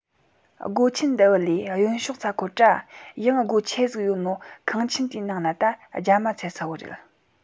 སྒོ ཆེན འདི འ བུད ལས གཡོན ཕྱོགས ཚ འཁོར དྲ ཡང སྒོ ཆེ ཆེ ཟིག ཡོད ནོ ཁང ཆེན དེའི ནང ད རྒྱ མ ཚད ས བོ རེད